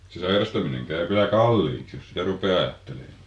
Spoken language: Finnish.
se sairastaminen käy kyllä kalliiksi jos sitä rupeaa ajattelemaan niin